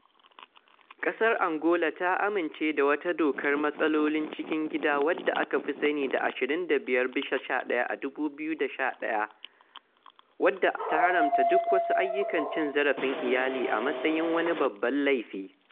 ƙasar Angola ta amince da wata dokar matsalolin cikin gida wadda aka fi sani da 25/11 a 2011 wadda ta haramta duk wasu ayyukan cin zarafin iyali a matsayin wani babban laifi.